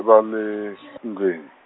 ra le , ndlwini.